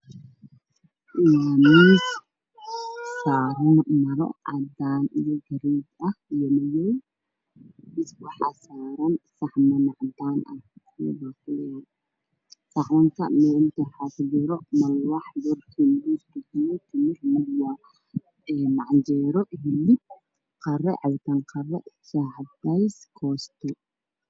Waa miis saaran maro cadaan iyo buluug ah iyo madow ah. Waxaa saaran saxaman cadaan ah, waxaa kujiro malawax, bur, sanbuus, iyo bajiye. Canjeelo iyo hilib, cabitaan qare, shaaxcadeys iyo koosto.